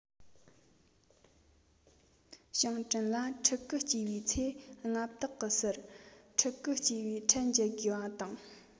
ཞིང བྲན ལ ཕྲུ གུ སྐྱེས ཚེ མངའ བདག གི སར ཕྲུ གུ སྐྱེས པའི ཁྲལ འཇལ དགོས པ དང